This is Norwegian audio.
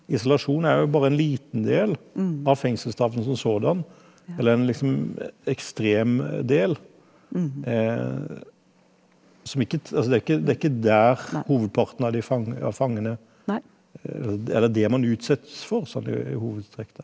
isolasjon er jo bare en liten del av fengselsstraffen som sådan eller en liksom ekstrem del som ikke altså det er ikke det er ikke der hovedparten av de av fangene eller det man utsettes for sånn i hovedtrekk da.